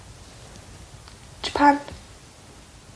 Japan?